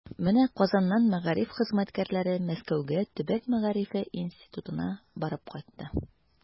Менә Казаннан мәгариф хезмәткәрләре Мәскәүгә Төбәк мәгарифе институтына барып кайтты.